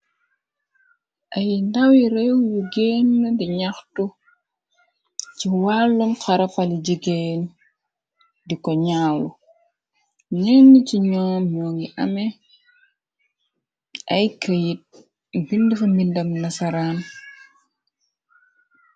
Ay ndawi réew yu genn di ñaxtu ci wàllum xarafali jigeen di ko ñaawlu neng ci ñoo mo ngi ame ay këyit bind fa mbindam nasaraan.